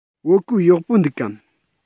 བོད གོས ཡག པོ འདུག གམ